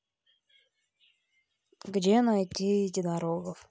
где найти единорогов